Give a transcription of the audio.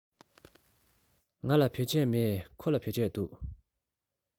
ང ལ བོད ཆས མེད ཁོ ལ བོད ཆས འདུག